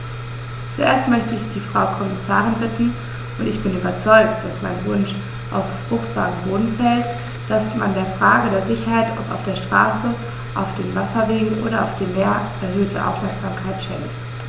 Zuerst möchte ich die Frau Kommissarin bitten - und ich bin überzeugt, dass mein Wunsch auf fruchtbaren Boden fällt -, dass man der Frage der Sicherheit, ob auf der Straße, auf den Wasserwegen oder auf dem Meer, erhöhte Aufmerksamkeit schenkt.